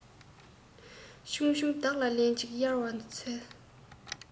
ཆུང ཆུང བདག ལ ལེན ཅིག གཡར བར འཚལ